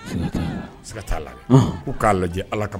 Lajɛ ala